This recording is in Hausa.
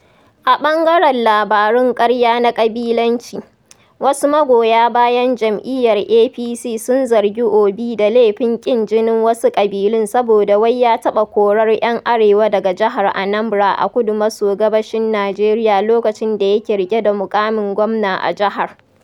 A ɓangaren labarun ƙarya na ƙabilanci, wasu magoya bayan jam'iyyar APC sun zargi Obi da laifin ƙin jinin wasu ƙabilun saboda wai ya taɓa korar 'yan arewa daga jihar Anambra a kudu maso gabashin Nijeriya lokacin da yake riƙe da muƙamin gwamna a jihar.